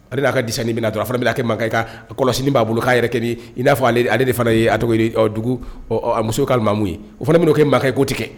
Ale n'a ka dinin bɛnaa dɔrɔn fana bɛna'a kɛ ka kɔlɔsi b'a bolo'a yɛrɛ kɛ i n'a fɔale ale de fana ye dugu musow'mu ye o fana min' kɛ makankɛ ye ko tɛ